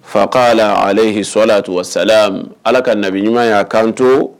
Fa ko la ale hsɔ la sa ala ka nabi ɲuman y' a kan